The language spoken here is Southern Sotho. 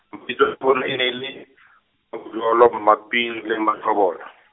-bitso a bona e ne e le , Mmabojolo, Mmaping le Mmatjhobolo.